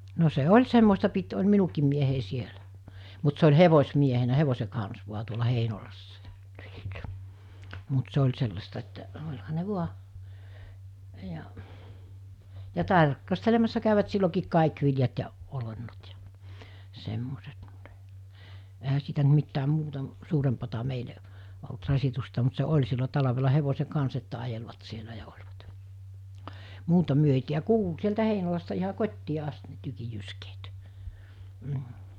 no se oli semmoista piti oli minunkin mieheni siellä mutta se oli hevosmiehenä hevosen kanssa vain tuolla Heinolassa ja mutta se oli sellaista että olihan ne vain ja ja - tarkastelemassa kävivät silloinkin kaikki viljat ja olennot ja semmoiset mutta eihän siitä nyt mitään muuta - suurempaa meille ollut rasitusta mutta se oli silloin talvella hevosen kanssa että ajelivat siellä ja olivat muuta me ei - kuului sieltä Heinolasta ihan kotiin asti ne tykin jyskeet mm